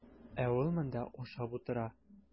Ә ул монда ашап утыра.